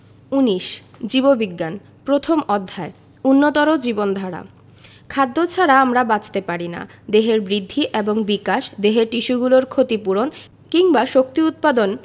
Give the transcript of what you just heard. ১৯ জীববিজ্ঞান প্রথম অধ্যায় উন্নততর জীবনধারা খাদ্য ছাড়া আমরা বাঁচতে পারি না দেহের বৃদ্ধি এবং বিকাশ দেহের টিস্যুগুলোর ক্ষতি পূরণ কিংবা শক্তি উৎপাদন